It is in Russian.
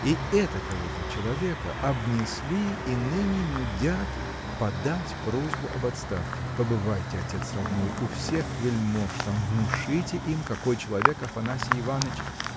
И этакого-то человека обнесли и ныне нудят подать просьбу об отставке. Побывайте отец родной у всех вельмож там внушите им какой человек Афанасий Иваныч